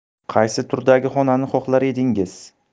qaysi turdagi xonani xohlar edingiz